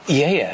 Ie ie.